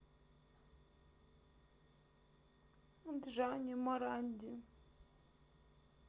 джани моранди